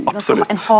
absolutt.